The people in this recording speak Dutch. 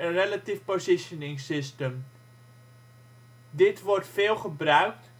Relative Positioning System. Dit wordt veel gebruikt